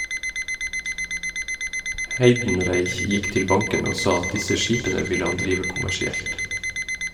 Heidenreich gikk til banken og sa at disse skipene ville han drive kommersielt.